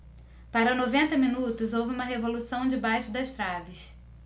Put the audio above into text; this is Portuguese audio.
para noventa minutos houve uma revolução debaixo das traves